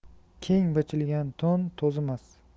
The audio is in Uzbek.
keng bichilgan to'n to'zmas